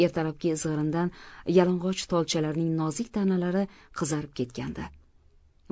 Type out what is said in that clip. ertalabki izg'irindan yalang'och tolchalarning nozik tanalari qizarib ketgandi